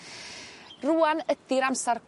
Rŵan ydi'r amsar